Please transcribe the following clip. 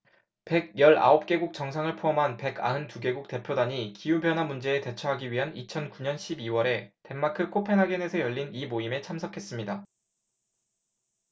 백 열 아홉 개국 정상을 포함한 백 아흔 두 개국 대표단이 기후 변화 문제에 대처하기 위해 이천 구 년 십 이 월에 덴마크 코펜하겐에서 열린 이 모임에 참석했습니다